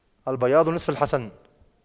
البياض نصف الحسن